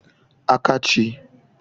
Akachī